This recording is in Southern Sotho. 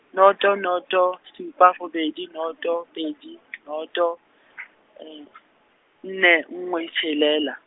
noto noto supa robedi, noto pedi noto , nne nngwe tshelela.